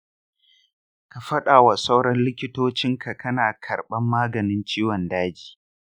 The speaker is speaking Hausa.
ka fadawa sauran likitocinka kana karbar maganin ciwon daji.